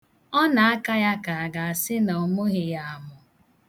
Ọ na-aka ya ka a ga-asị na ọ mụghị ya amụ.